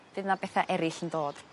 fydd 'na betha eryll yn dod.